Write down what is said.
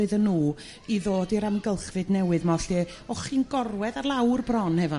iddyn nhw i ddod i'r amgylchfyd newydd 'ma lle o' chi'n gorwedd ar lawr bron hefo